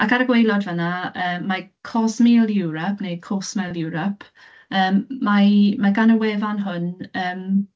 Ac ar y gwaelod fan'na yy mae Cosmile Europe neu Co smile Europe, yym mae mae gan y wefan hwn, yym...